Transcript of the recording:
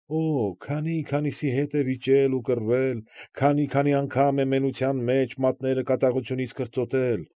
Օօ՜, քանի՜֊քանիսի հետ է վիճել ու կռվել, քանի՜֊քանի անգամ է մենության մեջ մատները կատաղությունից կրծոտել։